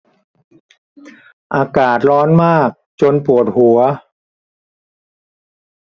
อากาศร้อนมากจนปวดหู